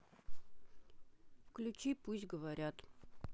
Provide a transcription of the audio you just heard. включи пусть говорят